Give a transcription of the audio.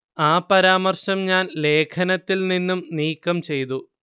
ആ പരാമർശം ഞാൻ ലേഖനത്തിൽ നിന്നും നീക്കം ചെയ്തു